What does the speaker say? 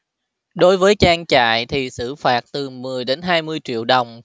đối với trang trại thì xử phạt từ mười đến hai mươi triệu đồng